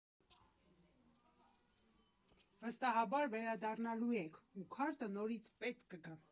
Վստահաբար վերադառնալու եք ու քարտը նորից պետք կգա։